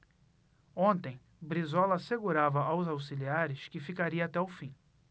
ontem brizola assegurava aos auxiliares que ficaria até o fim